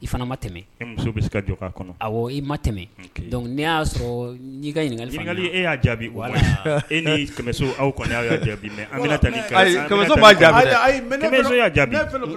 Tɛmɛ ne y'a sɔrɔ e y jaabi